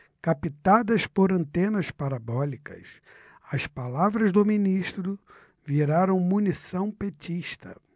captadas por antenas parabólicas as palavras do ministro viraram munição petista